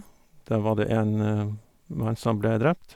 Der var det en mann som ble drept.